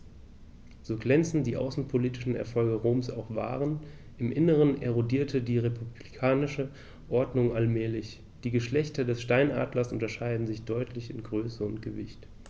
So glänzend die außenpolitischen Erfolge Roms auch waren: Im Inneren erodierte die republikanische Ordnung allmählich. Die Geschlechter des Steinadlers unterscheiden sich deutlich in Größe und Gewicht.